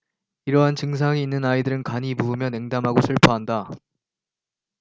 이러한 증상이 있는 아이들은 간이 부으며 냉담하고 슬퍼한다